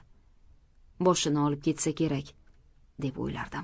boshini olib ketsa kerak deb o'ylardim